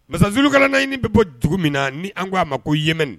Masazurukala naɲiniini bɛ bɔ dugu min na ni an k'a ma ko yemɛ